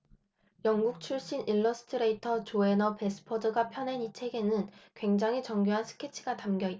영국 출신 일러스트레이터 조해너 배스퍼드가 펴낸 이 책에는 굉장히 정교한 스케치가 담겨 있다